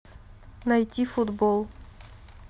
найти футбол